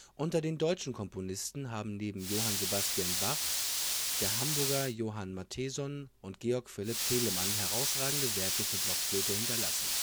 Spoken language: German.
Unter den deutschen Komponisten haben neben Johann Sebastian Bach der Hamburger Johann Mattheson und Georg Philipp Telemann herausragende Werke für Blockflöte hinterlassen